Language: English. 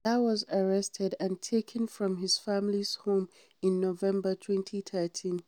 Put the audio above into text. Alaa was arrested and taken from his family’s home in November 2013.